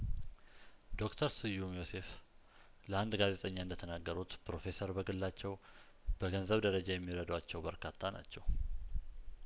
ዶክተር ስዩም ዮሴፍ ለአንድ ጋዜጠኛ እንደተናገሩት ፕሮፌሰር በግላቸው በገንዘብ ደረጃ የሚረዷቸው በርካታ ናቸው